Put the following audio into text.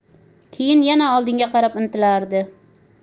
keyin yana oldinga qarab intilardi